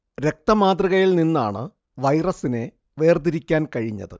രക്ത മാതൃകയിൽ നിന്നാണ് വൈറസിനെ വേർതിരിക്കാൻ കഴിഞ്ഞത്